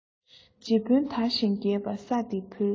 རྗེ དཔོན དར ཞིང རྒྱས པ ས སྡེའི འཕྲུལ